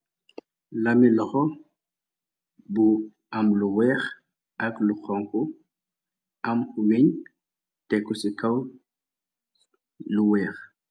lami loxo bu am lu weex ak lu xonku am umeñ te ku ci kaw lu weex